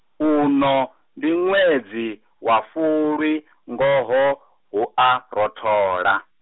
uno, ndi ṅwedzi, wa fulwi, ngoho, hu a, rothola.